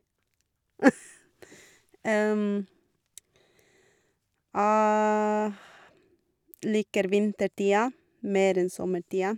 Jeg liker vintertida mer enn sommertida.